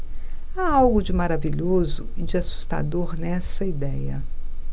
há algo de maravilhoso e de assustador nessa idéia